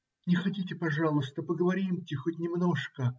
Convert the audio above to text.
- Не ходите, пожалуйста, поговоримте хоть немножко.